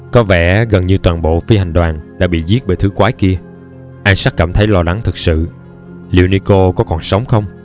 có vẻ gần như toàn bộ phi hành đoàn đã bị giết bởi thứ quái kia isaac cảm thấy lo lắng thực sự liệu nicole có còn sống không